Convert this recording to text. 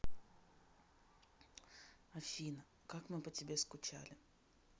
афина как мы по тебе скучали